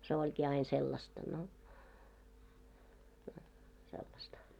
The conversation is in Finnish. se olikin aina sellaista no no sellaista